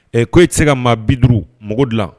Ɛ ko e tɛ se ka maa bi duuru mɔgɔ dilan